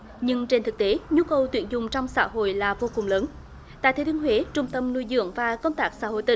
nhưng trên thực tế nhu cầu tuyển dụng trong xã hội là vô cùng lớn tại thừa thiên huế trung tâm nuôi dưỡng và công tác xã hội tỉnh